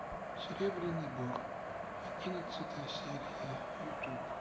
серебряный бор одиннадцатая серия ютуб